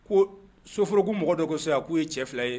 Ko soforokun mɔgɔ dɔ ko sisan k'u ye cɛ fila ye